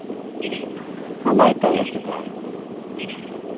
hann leitaði eftir tær